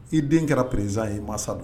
I den kɛra président ye i maasa don